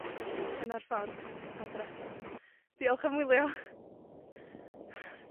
Dyna'r ffordd adra. Diolch am wylio.